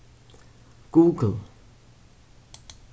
google